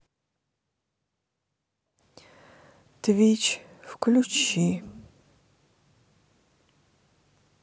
твич включи